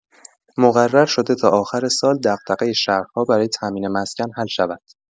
مقرر شده تا آخر سال دغدغه شهرها برای تامین مسکن حل شود.